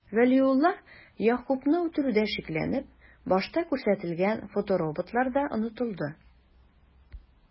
Вәлиулла Ягъкубны үтерүдә шикләнеп, башта күрсәтелгән фотороботлар да онытылды...